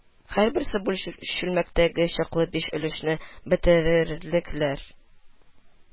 Һәрберсе бу чүлмәктәге чаклы биш өлешне бетерерлекләр